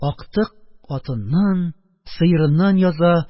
Актык атыннан, сыерыннан яза,